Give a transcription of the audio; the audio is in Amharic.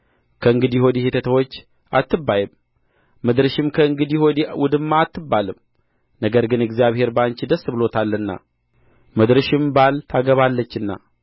ከእንግዲህ ወዲህ የተተወች አትባዪም ምድርሽም ከእንግዲህ ወዲህ ውድማ አትባልም ነገር ግን እግዚአብሔር በአንቺ ደስ ብሎታልና ምድርሽም ባል ታገባለችና